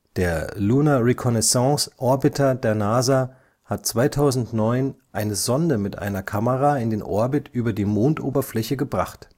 Der Lunar Reconnaissance Orbiter der NASA hat 2009 eine Sonde mit einer Kamera in den Orbit über die Mondoberfläche gebracht